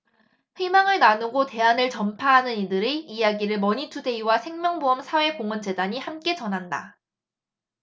희망을 나누고 대안을 전파하는 이들의 이야기를 머니투데이와 생명보험사회공헌재단이 함께 전한다